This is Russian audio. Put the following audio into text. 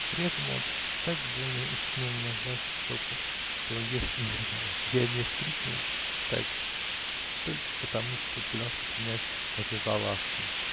При этом он так больно ущипнул меня за щеку, что если я не вскрикнул, так только потому, что догадался принять это за ласку.